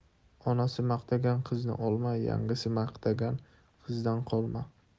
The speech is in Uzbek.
onasi maqtagan qizni olma yangasi maqtagan qizdan qolma